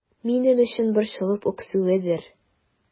Минем өчен борчылып үксүедер...